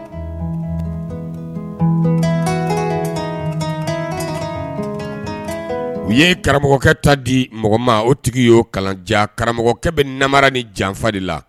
U ye karamɔgɔkɛ ta di mɔgɔ ma o tigi ye o kalan jaa karamɔgɔkɛ bɛ namara ni janfa de la